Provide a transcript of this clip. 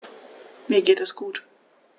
Mir geht es gut.